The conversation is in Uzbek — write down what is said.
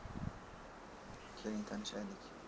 keling tanishaylik